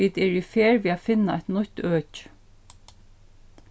vit eru í ferð við at finna eitt nýtt øki